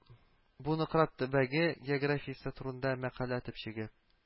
Бу Нократ төбәге географиясе турында мәкалә төпчеге